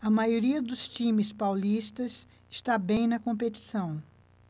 a maioria dos times paulistas está bem na competição